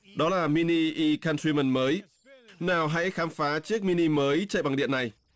đó là mi ni con try mừn mới nào hãy khám phá chiếc mi ni mới chạy bằng điện này